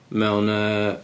Mewn yy...